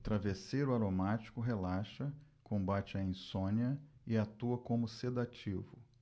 o travesseiro aromático relaxa combate a insônia e atua como sedativo